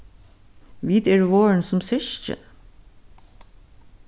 vit eru vorðin sum systkin